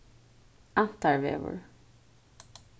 antarvegur